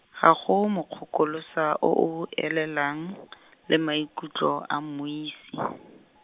ga go mokgokolosa o o elelang , le maikutlo a mmuisi.